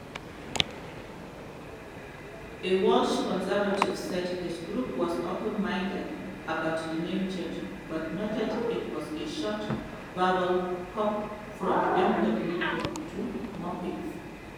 A Welsh Conservative said his group was "open minded" about the name change, but noted it was a short verbal hop from MWP to Muppet.